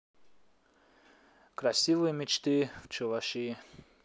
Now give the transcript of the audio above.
красивые места в чувашии